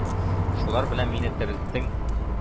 Шулар белән мине терелттең.